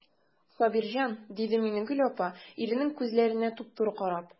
Сабирҗан,– диде Миннегөл апа, иренең күзләренә туп-туры карап.